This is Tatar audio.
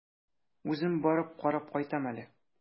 Үзем барып карап кайтам әле.